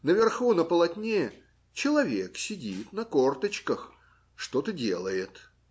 наверху, на полотне, человек сидит на корточках, что-то делает